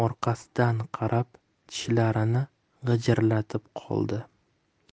orqasidan qarab tishlarini g'ijirlatib qoldi